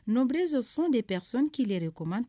Nbrez sun de psion kelen de de kɔman